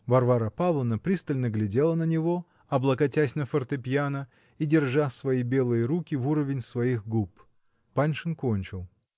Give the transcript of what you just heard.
Варвара Павловна пристально глядела на него, облокотись на фортепьяно и держа свои белые руки в уровень своих губ. Паншин кончил.